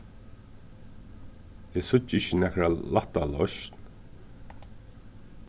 eg síggi ikki nakra lætta loysn